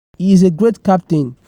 He is a great captain.